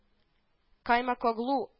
Каймакоглу